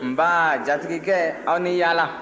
nba jatigikɛ aw ni yaala